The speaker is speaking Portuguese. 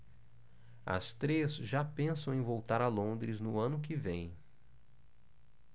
as três já pensam em voltar a londres no ano que vem